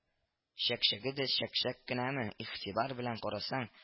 Чәкчәге дә чәкчәк кенәме, игътибар белән карасаң